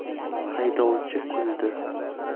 haydovchi kuldi